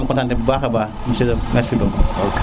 di content bu baxa baax merci beaucoup